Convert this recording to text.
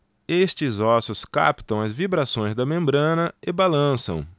estes ossos captam as vibrações da membrana e balançam